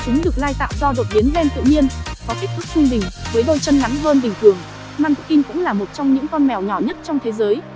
chúng được lai tạo do đột biến gen tự nhiên có kích thước trung bình với đôi chân ngắn hơn bình thường munchkin cũng là một trong những con mèo nhỏ nhất trong thế giới